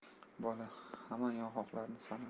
bola hamon yong'oqlarini sanar